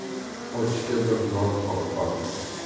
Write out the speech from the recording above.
ochga bir non qalqon